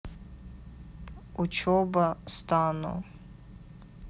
учеба стану